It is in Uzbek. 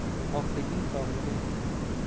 pokliging sog'liging